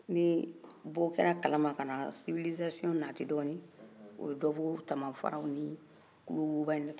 ni bɔ kɛra a kalama ka na sivilizasɔn naati dɔɔni o ye dɔ bɔ tamafaraw ni tulowoba na